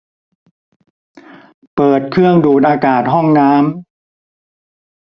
เปิดเครื่องดูดอากาศห้องน้ำ